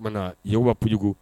Oumana na yenba p kojugu